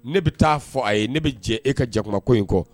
Ne bɛ taa fɔ a ye ne bɛ jɛ e ka jakumako in kɔ